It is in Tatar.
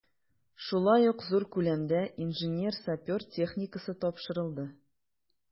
Шулай ук зур күләмдә инженер-сапер техникасы тапшырылды.